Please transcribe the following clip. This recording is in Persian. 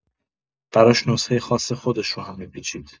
براش نسخه خاص خودش رو هم می‌پیچید.